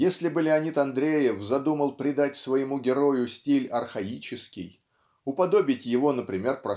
Если бы Леонид Андреев задумал придать своему герою стиль архаический уподобить его например